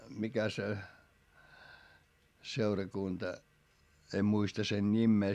mikä se seurakunta en muista sen nimeä